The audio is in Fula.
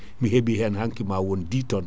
mi heeɓi hen hanki ma won 10 tonnes